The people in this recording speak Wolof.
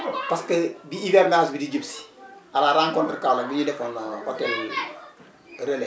parce que bi hivernage bi di jub si à la rencontre Kaolack bi ñu defoon côté Relai